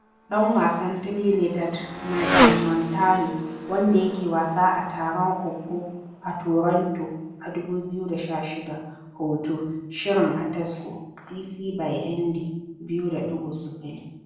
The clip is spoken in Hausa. ɗan wasan Trinidad Machel Montano wanda yake wasa a taron OɓO a Toronto a 2016. HOTO: Shirin a taso (CC BY-ND 2.0)